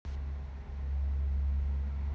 катя какашка